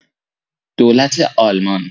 دولت آلمان